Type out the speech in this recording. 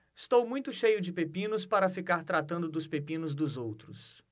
estou muito cheio de pepinos para ficar tratando dos pepinos dos outros